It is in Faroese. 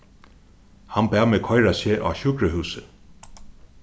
hann bað meg koyra seg á sjúkrahúsið